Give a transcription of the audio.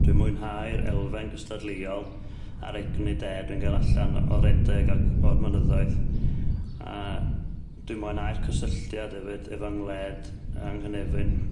Dwi'n mwynhau'r elfen gystadleuol a'r egni de dwi'n ga'l allan o redeg ac o'r mynyddoedd a dwi'n mwyn'au'r cysylltiad hefyd efo ngwled 'yng nghynefin.